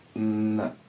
Na.